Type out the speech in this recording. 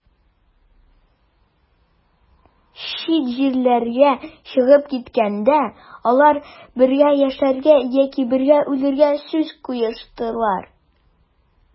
Чит җирләргә чыгып киткәндә, алар бергә яшәргә яки бергә үләргә сүз куештылар.